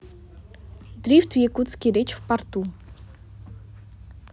дрифт в якутске речь в порту